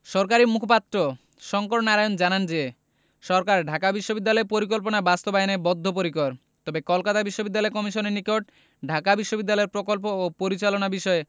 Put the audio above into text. সরকারি মুখপাত্র শঙ্কর নারায়ণ জানান যে সরকার ঢাকা বিশ্ববিদ্যালয় পরিকল্পনা বাস্তবায়নে বদ্ধপরিকর তবে কলকাতা বিশ্ববিদ্যালয় কমিশনের নিকট ঢাকা বিশ্ববিদ্যালয় প্রকল্প ও পরিচালনা বিষয়ে